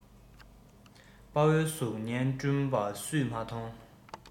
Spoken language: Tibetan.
དཔའ བོའི གཟུགས བརྙན བསྐྲུན པ སུས མ མཐོང